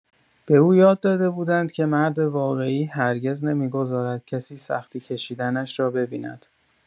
به او یاد داده بودند که مرد واقعی هرگز نمی‌گذارد کسی سختی کشیدنش را ببیند.